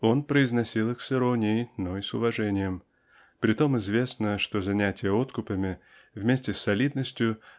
Он произносил их с иронией, но и с уважением. Притом известно что занятие откупами вместе с солидностью